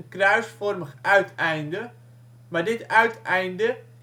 kruisvorming uiteinde, maar dit uiteinde